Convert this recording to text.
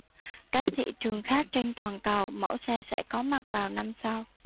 các thị trường khác trên toàn cầu mẫu xe sẽ có mặt vào năm sau